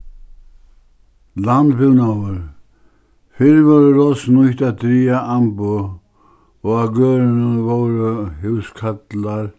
landbúnaður fyrr vórðu ross nýtt at draga amboð og á gørðunum vóru húskallar